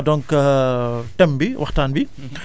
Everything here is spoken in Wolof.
nee naa donc thème bi waxtaan bi